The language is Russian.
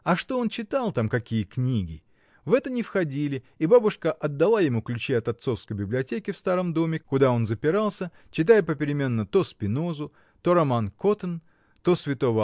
А что он читал там, какие книги, в это не входили, и бабушка отдала ему ключи от отцовской библиотеки в старом доме, куда он запирался, читая попеременно то Спинозу, то роман Коттень, то св.